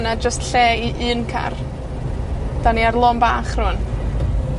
'na jyst lle i un car. 'Dan ni ar lôn bach rŵan.